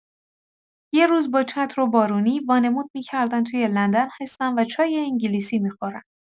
یه روز با چتر و بارونی، وانمود می‌کردن توی لندن هستن و چای انگلیسی می‌خورن.